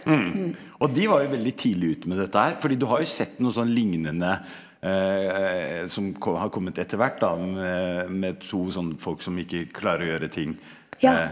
og de var jo veldig tidlig ute med dette her, fordi du har jo sett noe sånn lignende som har kommet etter hvert da med med to sånn folk som ikke klarer å gjøre ting .